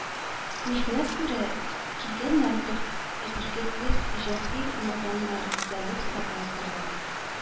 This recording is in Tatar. Михнәт күрә килгәннәрдер, ә билгесез җаһил-наданнар зәвык-сафа сөрә